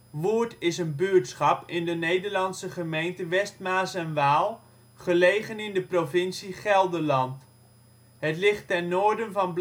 Woerd is een buurtschap in de Nederlandse gemeente West Maas en Waal, gelegen in de provincie Gelderland. Het ligt ten noorden van